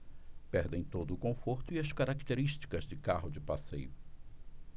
perdem todo o conforto e as características de carro de passeio